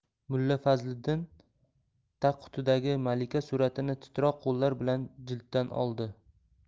mulla fazliddin tagqutidagi malika suratini titroq qo'llar bilan jilddan oldi